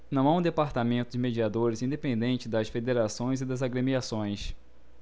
não há um departamento de mediadores independente das federações e das agremiações